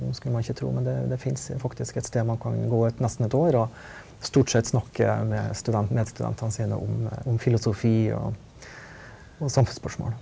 skulle man ikke tro men det det fins faktisk et sted man kan gå et nesten et år og stort sett snakke med student medstudentene sine om om filosofi og og samfunnsspørsmål.